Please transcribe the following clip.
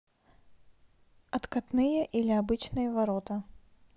откатные или обычные ворота